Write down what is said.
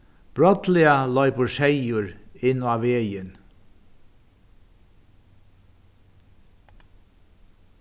brádliga loypur seyður inn á vegin